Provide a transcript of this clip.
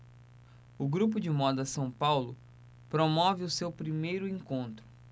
o grupo de moda são paulo promove o seu primeiro encontro